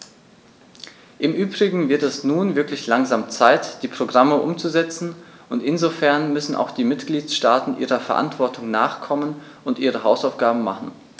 Im übrigen wird es nun wirklich langsam Zeit, die Programme umzusetzen, und insofern müssen auch die Mitgliedstaaten ihrer Verantwortung nachkommen und ihre Hausaufgaben machen.